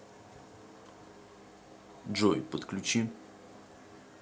джой подключи